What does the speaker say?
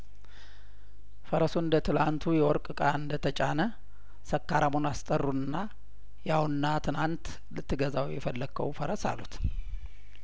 ፈረሱ እንደትላንቱ የወርቅ እቃ እንደተጫነ ሰካ ራሙን አስጠሩትና ያውና ትናንት ልትገዛው የፈለከው ፈረስ አሉት